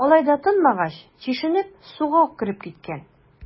Алай да тынмагач, чишенеп, суга ук кереп киткән.